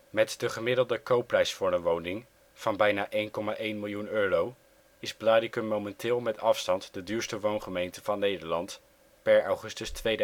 Met de gemiddelde koopprijs voor een woning van bijna € 1,1 miljoen is Blaricum momenteel met afstand de duurste woongemeente van Nederland (augustus 2010